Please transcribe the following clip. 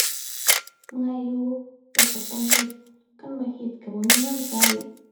เมื่อยอยู่ แต่ก็ต้องเฮ็ด คันบ่เฮ็ดก็บ่มีเงินก็